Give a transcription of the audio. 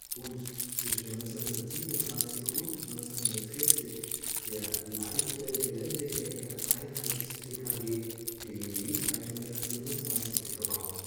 und zwischen 1937 und 1940 der leichte geländegängige Einheits-PKW BMW 325 gebaut